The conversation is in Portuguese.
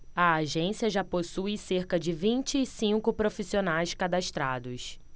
a agência já possui cerca de vinte e cinco profissionais cadastrados